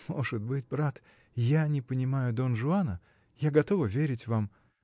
— Может быть, брат, я не понимаю Дон Жуана; я готова верить вам.